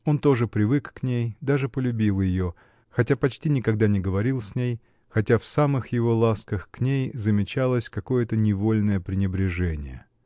Он тоже привык к ней, даже полюбил ее, хотя почти никогда не говорил с ней, хотя в самых его ласках к ней замечалось какое-то невольное пренебрежение.